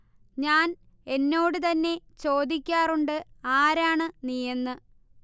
ഞാൻ എന്നോട് തന്നെ ചോദിക്കാറുണ്ട് ആരാണ് നീ എന്ന്